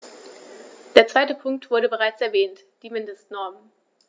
Der zweite Punkt wurde bereits erwähnt: die Mindestnormen.